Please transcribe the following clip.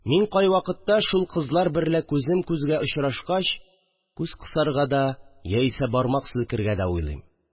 Мин кайвакытта, шул кызлар берлә күзем күзгә очрашкач, күз кысарга да яисә бармак селкергә дә уйлыйм